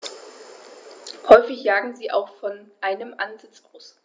Häufig jagen sie auch von einem Ansitz aus.